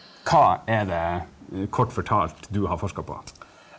hva er det kort fortalt du har forska på?